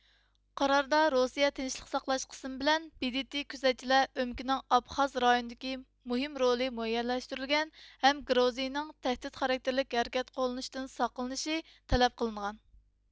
قاراردا روسىيە تىنچلىق ساقلاش قىسىمى بىلەن بې دې تې كۆزەتكۈچىلەر ئۆمىكىنىڭ ئابخاز رايونىدىكى مۇھىم رولى مۇئەييەنلەشتۈرۈلگەن ھەم گروزىيىنىڭ تەھدىت خاراكتېرلىك ھەرىكەت قوللىنىشتىن ساقلىنىشى تەلەپ قىلىنغان